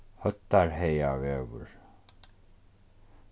høvdarhagavegur